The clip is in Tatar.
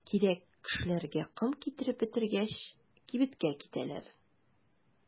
Кирәк кешеләргә ком китереп бетергәч, кибеткә китәләр.